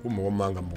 Ko mɔgɔ man ka bɔ